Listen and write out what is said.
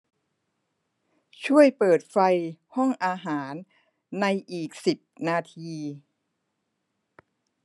ช่วยเปิดไฟห้องอาหารในอีกสิบนาที